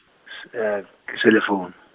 s- ke selefounu.